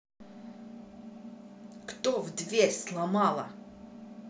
кто в дверь сломала